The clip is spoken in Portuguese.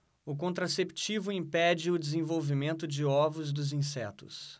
o contraceptivo impede o desenvolvimento de ovos dos insetos